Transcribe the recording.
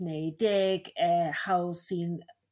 neu deg e hawl sy'n